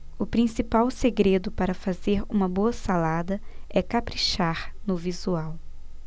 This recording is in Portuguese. o principal segredo para fazer uma boa salada é caprichar no visual